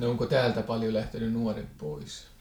onko täältä paljon lähtenyt nuoret pois